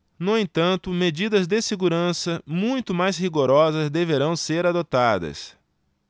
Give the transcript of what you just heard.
no entanto medidas de segurança muito mais rigorosas deverão ser adotadas